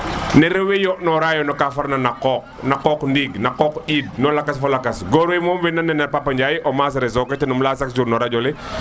no rewe yonɗ no ra yo no ka far na na qoq na qoq dingna qoq ƴind fo lakas fo lakas goor we moom o nan ne nena Papa Ndiaye o maas reso ten leya chaque jour no radio le